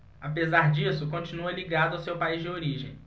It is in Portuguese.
apesar disso continua ligado ao seu país de origem